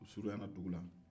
u surunya u ka dugu la